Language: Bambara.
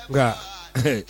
Nka ee